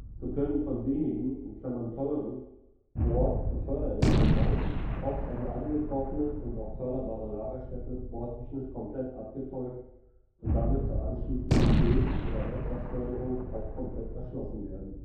So können von wenigen (teuren) Bohr - und Förderinseln aus oft eine angetroffene und auch förderbare Lagerstätte bohrtechnisch komplett abgeteuft und damit zur anschließenden Öl - oder Erdgasförderung auch komplett erschlossen werden